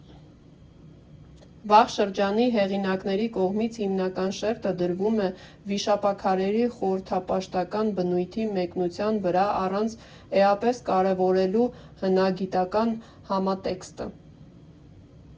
Վաղ շրջանի հեղինակների կողմից հիմնական շեշտը դրվում էր վիշապաքարերի խորհրդապաշտական բնույթի մեկնության վրա՝ առանց էապես կարևորելու հնագիտական համատեքստը։